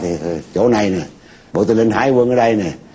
chỗ này bộ tư lệnh hải quân ở đây nè